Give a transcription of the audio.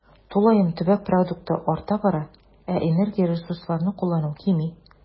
Тулаем төбәк продукты арта бара, ә энергия, ресурсларны куллану кими.